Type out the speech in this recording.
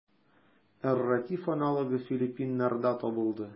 Эрратив аналогы филиппиннарда табылды.